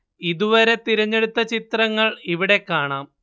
ഇതുവരെ തിരഞ്ഞെടുത്ത ചിത്രങ്ങൾ ഇവിടെ കാണാം